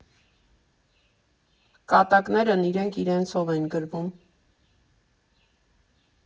Կատակներն իրենք իրենցով են գրվում։